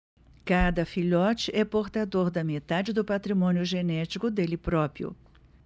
cada filhote é portador da metade do patrimônio genético dele próprio